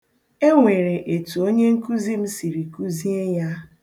Enwere etu onyenkụzi m siri kụzie ya.